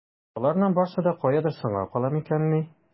Боларның барсы да каядыр соңга кала микәнни?